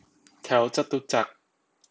แถวจตุจักร